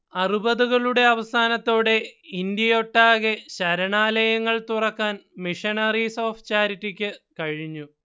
അറുപതുകളുടെ അവസാനത്തോടെ ഇന്ത്യയൊട്ടാകെ ശരണാലയങ്ങൾ തുറക്കാൻ മിഷണറീസ് ഓഫ് ചാരിറ്റിക്ക് കഴിഞ്ഞു